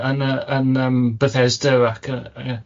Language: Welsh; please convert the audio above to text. yn yy yn yym Bethesda ac yy yy